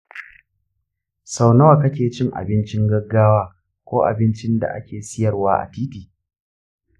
sau nawa kake cin abincin gaggawa ko abincin da ake siyarwa a titi?